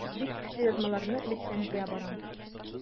Бик көчле язмаларны электән җыя барам.